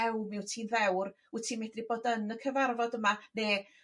eww mi wt tî'n fewr wyt ti'n medru bod yn y cyfarfod yma ne'